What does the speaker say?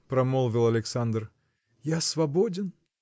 – промолвил Александр, – я свободен!